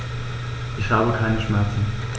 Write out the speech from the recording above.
Ich habe keine Schmerzen.